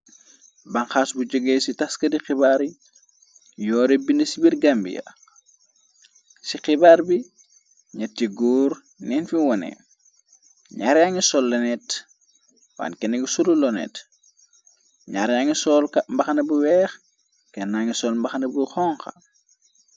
Banxaas bu jogée ci taskati xibaar yooreb binde ci bir Gambiya, ci xibaar bi ñati góor neen fi wone, ñaar yangi sol lonet, waay kene ki sulu lonet, ñaar yangi sool mbaxana bu weex, kenna ngi sol mbaxana bu xonxo.